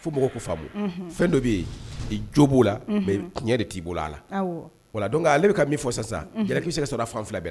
Fo k'o faamu, fɛn dɔ bɛ yen, i jo b'o la mais tiɲɛ de t'i bolo a la, awɔ voilà donc ale bɛ ka min fɔ sisan, awɔ, jalaki bɛ se ka sɔrɔ, a fan fila bɛɛ la